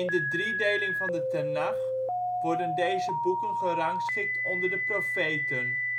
de drie-deling van de Tenach worden deze boeken gerangschikt onder de profeten